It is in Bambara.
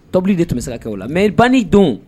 Tobili de tun bɛ se ka kɛ la mɛ ban ni don